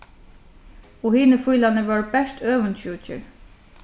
og hinir fílarnir vóru bert øvundsjúkir